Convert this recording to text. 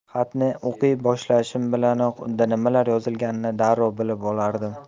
xatni o'qiy boshlashim bilanoq unda nimalar yozilganini darrov bilib olardim